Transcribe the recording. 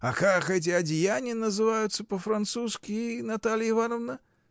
А как эти одеяния называются по-французски, Наталья Ивановна?